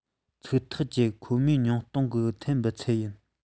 ཚིག ཐག བཅད ཁོ མར ཉུང གཏོང གི ཐཱན འབུད ཚད ཡིན